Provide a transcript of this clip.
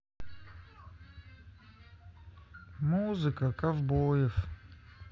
музыка ковбоев